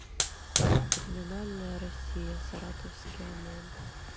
криминальная россия саратовский омон